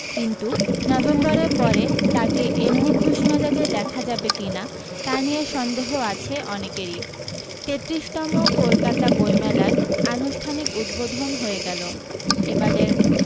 কিন্তু নভেম্বরের পরে তাঁকে এমনি খোশ মেজাজে দেখা যাবে কিনা তা নিয়ে সন্দেহ আছে অনেকেরি তেত্রিশ তম কলকাতা বৈমেলার আনুষ্ঠানিক উদ্বোধন হয়ে গেল এবালের